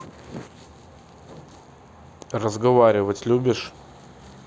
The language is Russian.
разговаривать любишь